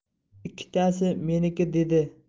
ikkitasi meniki dedi